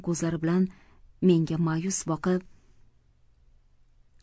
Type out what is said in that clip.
ko'zlari bilan menga ma'yus boqib